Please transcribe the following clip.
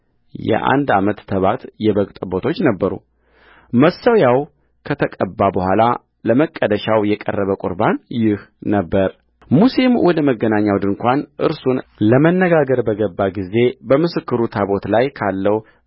የአንድ ዓመት ተባት የበግ ጠቦቶች ነበሩ መሠዊያው ከተቀባ በኋላ ለመቀደሻው የቀረበ ቍርባን ይህ ነበረሙሴም ወደ መገናኛው ድንኳን እርሱን ለመነጋገር በገባ ጊዜ በምስክሩ ታቦት ላይ ካለው